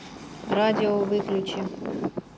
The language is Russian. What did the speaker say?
радио выключи